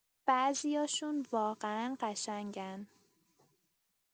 بعضیاشون واقعا قشنگن.